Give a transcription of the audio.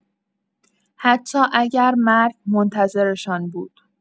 حتی اگر مرگ منتظرشان بود.